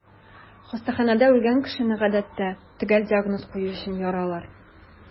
Хастаханәдә үлгән кешене, гадәттә, төгәл диагноз кую өчен яралар.